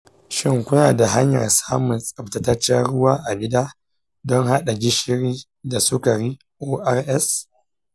shin kuna da hanyar samun tsaftacecen ruwa a gida don haɗa gishiri da sukari ors?